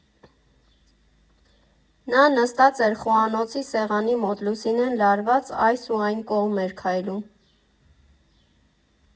Նա նստած էր խոհանոցի սեղանի մոտ, Լուսինեն լարված այս ու այն կողմ էր քայլում։